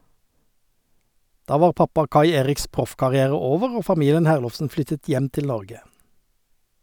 Da var pappa Kai Eriks proffkarriere over, og familien Herlovsen flyttet hjem til Norge.